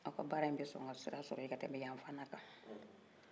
aw ka baara in bɛ sɔ ka sira sɔrɔ ye ka tɛmɛ yan fan kan